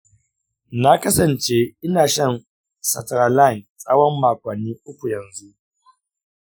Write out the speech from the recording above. na kasance ina shan sertraline tsawon makonni uku yanzu.